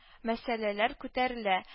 Мәсьәләләр күтәрелә